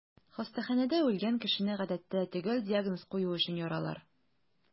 Хастаханәдә үлгән кешене, гадәттә, төгәл диагноз кую өчен яралар.